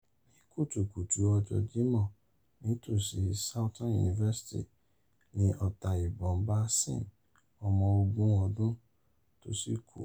Ní kùtùkùtù ọjọ́ Jímọ̀, nítọ̀sí Southern University, ni ọta ìbọn ba Sims, ọmọ ogun (20) ọdún, tó sì kú.